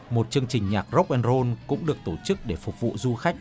một chương trình nhạc rốc en rôn cũng được tổ chức để phục vụ du khách